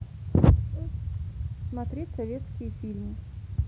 смотреть советские фильмы